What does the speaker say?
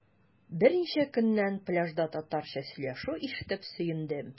Берничә көннән пляжда татарча сөйләшү ишетеп сөендем.